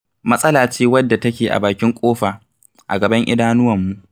Matsala ce wadda take a bakin ƙofa, a gaban idanuwanmu.